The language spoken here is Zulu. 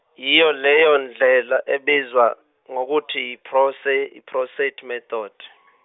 yiyo leyondlela ebizwa, ngokuthi Prose- i- Proyset method .